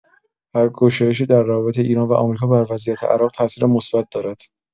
هر گشایشی در روابط ایران و آمریکا بر وضعیت عراق تاثیر مثبت دارد.